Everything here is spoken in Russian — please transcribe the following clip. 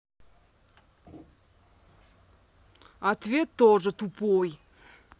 ответ тоже тупой